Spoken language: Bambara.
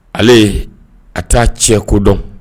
Ale a taa cɛ kodɔn